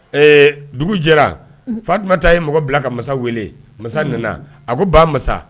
Ee dugu jɛra fatuma taa ye mɔgɔ bila ka masa weele masa nana a ko ba masa